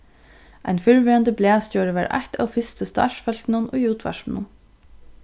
ein fyrrverandi blaðstjóri var eitt av fyrstu starvsfólkunum í útvarpinum